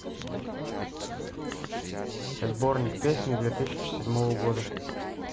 сборник песен две тысячи седьмого года